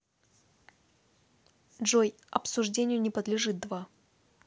джой обсуждению не подлежит два